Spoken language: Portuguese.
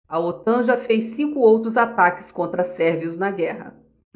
a otan já fez cinco outros ataques contra sérvios na guerra